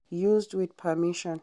Used with permission.